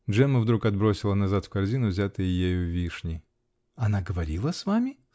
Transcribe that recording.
Джемма вдруг отбросила назад в корзину взятые ею вишни. -- Она говорила с вами?